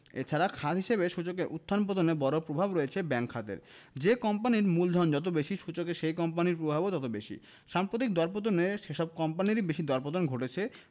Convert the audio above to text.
এ ছাড়া খাত হিসেবে সূচকের উত্থান পতনে বড় প্রভাব রয়েছে ব্যাংক খাতের যে কোম্পানির মূলধন যত বেশি সূচকে সেই কোম্পানির প্রভাবও তত বেশি সাম্প্রতিক দরপতনে সেসব কোম্পানিরই বেশি দরপতন ঘটেছে